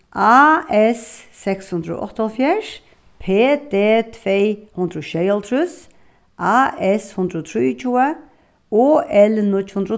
a s seks hundrað og áttaoghálvfjerðs p d tvey hundrað og sjeyoghálvtrýss a s hundrað og trýogtjúgu o l níggju hundrað og